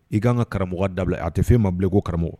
I ka kan ka karamɔgɔ dabila a tɛ fɛn ma bilen ko karamɔgɔ